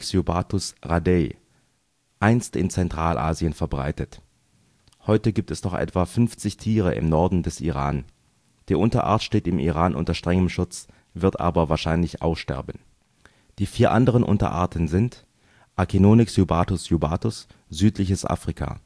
j. raddei: Einst in Zentralasien verbreitet; heute gibt es noch etwa 50 Tiere im Norden des Iran; die Unterart steht im Iran unter strengem Schutz, wird aber wahrscheinlich aussterben. Die vier anderen Unterarten sind: A. j. jubatus, südliches Afrika